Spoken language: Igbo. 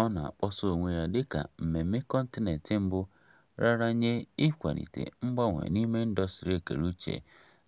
Ọ na-akpọsa onwe ya dị ka "mmemme kọntinentị mbụ raara nye ịkwalite mgbanwe n'ime ndọstrị ekere uch